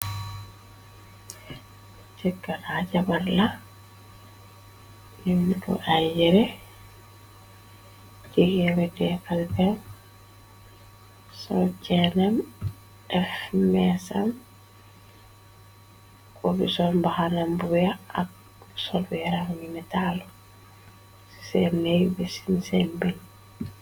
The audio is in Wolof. cëkkana jabarla nimtu ay yere ci x socnem fmesam ko bison baxanam buwe ak solvera minetal senney be sen bin.